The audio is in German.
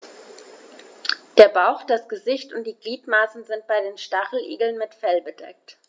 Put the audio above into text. Der Bauch, das Gesicht und die Gliedmaßen sind bei den Stacheligeln mit Fell bedeckt.